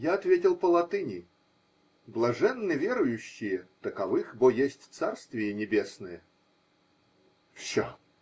Я ответил по латыни: Блаженны верующие, таковых бо есть царствие небесное. -- Все.